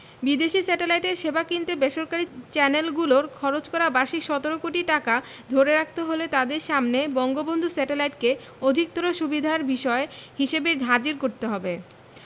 বিদেশি স্যাটেলাইটের সেবা কিনতে বেসরকারি চ্যানেলগুলোর খরচ করা বার্ষিক ১৭ কোটি টাকা ধরে রাখতে হলে তাদের সামনে বঙ্গবন্ধু স্যাটেলাইটকে অধিকতর সুবিধার বিষয় হিসেবে হাজির করতে হবে